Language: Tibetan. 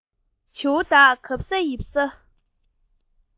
བྱིའུ དག གབ ས ཡིབ ས